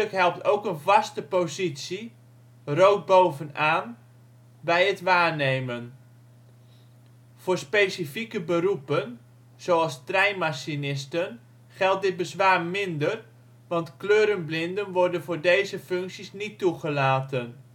helpt ook de vaste positie (rood bovenaan) bij het waarnemen. Voor specifieke beroepen, zoals treinmachinisten, geldt dit bezwaar minder, want kleurenblinden worden voor deze functies niet toegelaten